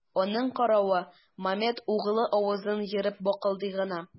Аның каравы, Мамед углы авызын ерып быкылдый гына.